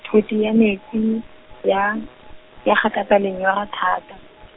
thothi ya metsi, ya, ya gakatsa lenyora thata.